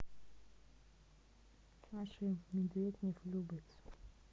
маша и медведь не влюбляются